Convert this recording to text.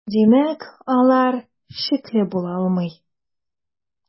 Димәк, алар шикле була алмый.